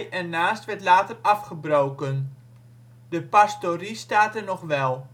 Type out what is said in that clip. ernaast werd later afgebroken. De pastorie staat er nog wel